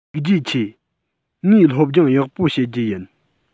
ཐུགས རྗེ ཆེ ངས སློབ སྦྱོང ཡག པོ བྱེད རྒྱུ ཡིན